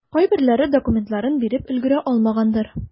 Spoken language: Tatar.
Кайберләре документларын биреп өлгерә алмагандыр.